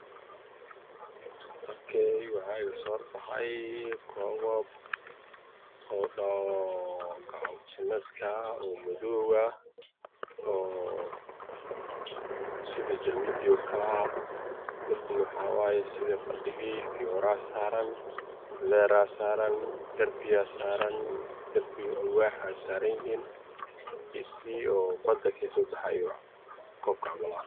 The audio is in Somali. Waxaa ii muuqdo cadaan ah oo ifaayo waxaa ka dambeeyay darbi qaxwii oranji ah waxaa ag yaal alaab mido